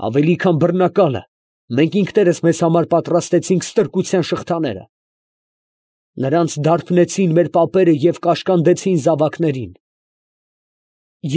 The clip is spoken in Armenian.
Ավելի քան բռնակալը, մենք ինքներս մեզ համար պատրաստեցինք ստրկության շղթաները… նրանց դարբնեցին մեր պապերը և կաշկանդեցին զավակներին…։